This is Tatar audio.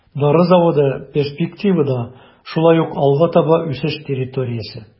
Дары заводы перспективада шулай ук алга таба үсеш территориясе.